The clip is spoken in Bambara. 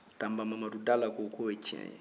tanba mamadu dala ko ko o ye tiɲɛ ye